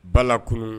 Bala kunun